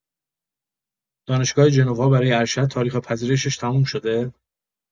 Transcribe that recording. دانشگاه جنوا برای ارشد تاریخ پذیرشش تموم شده؟